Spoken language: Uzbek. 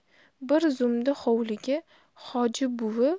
bir zumda hovliga hoji buvi